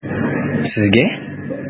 Сезгә?